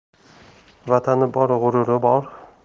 vatani bor g'ururi bor